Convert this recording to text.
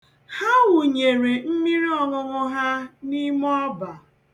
Ha wụnyere mmiri ọṅụṅụ ha n'ime ọba.